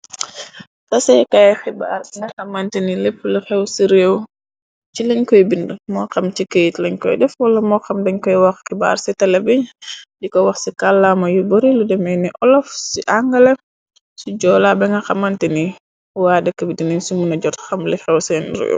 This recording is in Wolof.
taseekaay xibaar di nga xamante ni lépp lu xew ci réew ci lañ koy bind moo xam ci keyt lañ koy def wala mo xam dañ koy wax xibaar ci tale bi diko wax ci kàlaama yu bare lu deme ni olaf ci angale ci joolaa bi nga xamante ni waa dëkk bi dineñ sumu na jot xamli xew seen réew.